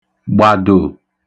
gbàdò